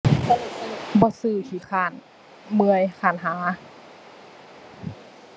บ่ซื้อ ขี้คร้าน เมื่อย คร้านหา